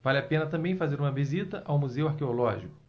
vale a pena também fazer uma visita ao museu arqueológico